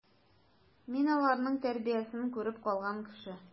Мин аларның тәрбиясен күреп калган кеше.